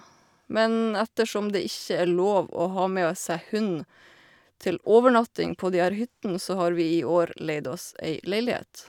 Men ettersom det ikke er lov til å ha med o seg hund til overnatting på de her hyttene, så har vi i år leid oss ei leilighet.